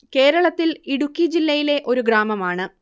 കേരളത്തിൽ ഇടുക്കി ജില്ലയിലെ ഒരു ഗ്രാമമാണ്